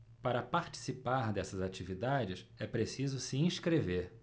para participar dessas atividades é preciso se inscrever